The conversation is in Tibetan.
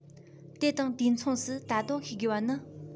དེ དང དུས མཚུངས སུ ད དུང ཤེས དགོས པ ནི